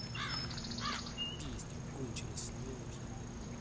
песня кончились лохи